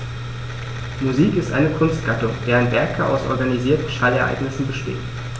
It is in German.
Musik ist eine Kunstgattung, deren Werke aus organisierten Schallereignissen bestehen.